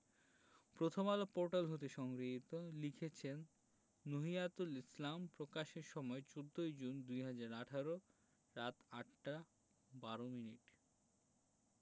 Prothom Alo portal হতে সংগৃহীত লিখেছেন নুহিয়াতুল ইসলাম প্রকাশের সময় ১৪জুন ২০১৮ রাত ৮টা ১২ মিনিট